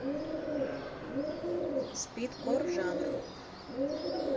спит кор жанр